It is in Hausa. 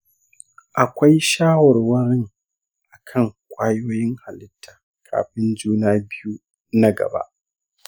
akwai shawarwarin akan kwayoyin halitta kafin juna biyu na gaba.